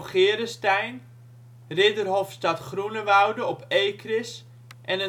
Geerestein, ridderhofstad Groenewoude op Ekris en